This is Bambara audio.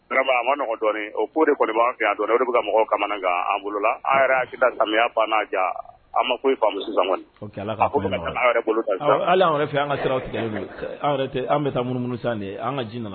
G ma oo de kɔni fɛ dɔrɔn bɛ ka mɔgɔw ka bolo samiya n'a ja ma bolo yɛrɛ fɛ an ka sira an bɛ taa munumunu de ye an ka ji na